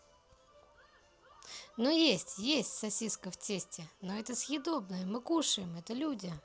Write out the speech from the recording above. но есть есть сосиска в тесте но это съедобное мы кушаем это люди